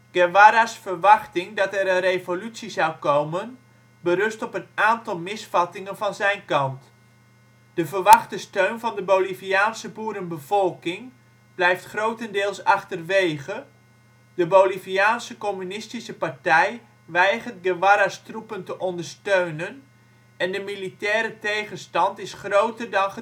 Guevara 's verwachting dat er een revolutie zou komen berust op een aantal misvattingen van zijn kant. De verwachte steun van de Boliviaanse boerenbevolking blijft grotendeels achterwege, de Boliviaanse Communistische Partij weigert Guevara 's troepen te ondersteunen en de militaire tegenstand is groter dan gedacht